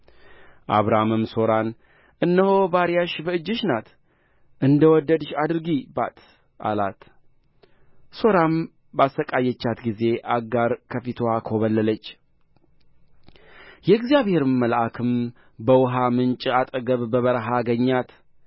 አብራምም ሦራን እነሆ ባሪያሽ በእጅሽ ናት እንደ ወደድሽ አድርጊባት አላት ሦራም ባሠቀየቻት ጊዜ አጋር ከፊትዋ ኮበለለች የእግዚአብሔር መልአክም በውኃ ምንጭ አጠገብ በበረሀ አገኛት